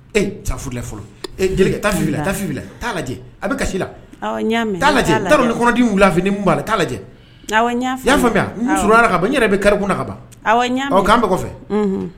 Sa fɔlɔ jelikɛ'a lajɛ a bɛ kasi la ɲa lajɛ nidi lafi b''a lajɛ y'a faamuya su ka ban yɛrɛ bɛ kɛkun ka ban aw'an kɔfɛ